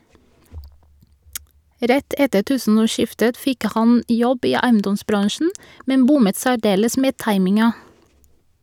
Rett etter tusenårsskiftet fikk han jobb i eiendomsbransjen - men bommet særdeles med timinga.